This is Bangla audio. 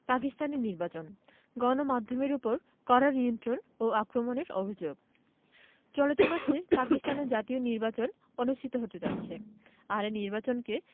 পাকিস্তানি নির্বাচন গণমাধ্যমের ওপর কড়া নিয়ন্ত্রণ ও আক্রমণের অভিযোগ চলতি মাসে পাকিস্তানে জাতীয় নির্বাচন অনুষ্ঠিত হতে যাচ্ছে আর এই নির্বাচনকে